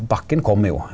bakken kjem jo.